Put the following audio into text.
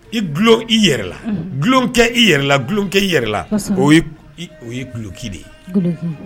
I dulon i yɛrɛ la, dulon kɛ i yɛrɛ la, dulon kɛ i yɛrɛ la, o ye i duloki de ye, duloki